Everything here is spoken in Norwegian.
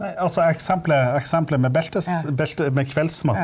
nei altså eksemplet eksemplet med belte med kveldsmat.